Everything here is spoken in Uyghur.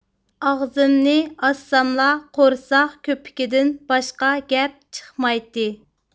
ئاغزىمنى ئاچساملا قورساق كۆپۈكىدىن باشقا گەپ چىقمايتتى